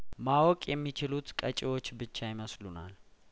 ማወቅ የሚችሉት ቀጪዎች ብቻ ይመስሉናል